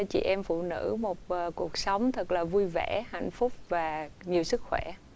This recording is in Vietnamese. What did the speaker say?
chị em phụ nữ một một cuộc sống thật là vui vẻ hạnh phúc và nhiều sức khỏe